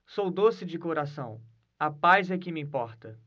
sou doce de coração a paz é que me importa